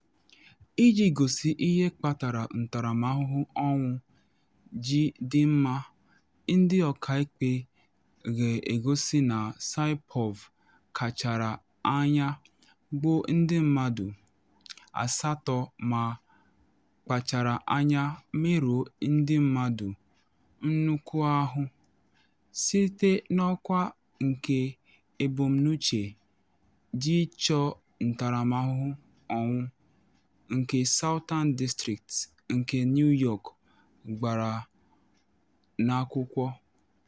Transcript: Iji gosi ihe kpatara ntaramahụhụ ọnwụ ji dị mma, ndị ọkaikpe ga-egosi na Saipov “kpachara anya” gbuo ndị mmadụ asatọ ma “kpachara anya” merụọ ndị mmadụ nnukwu ahụ, site n’ọkwa nke ebumnuche iji chọọ ntaramahụhụ ọnwụ, nke Southern District nke New York gbara n’akwụkwọ.